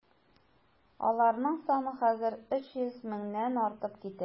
Аларның саны хәзер 300 меңнән артып китә.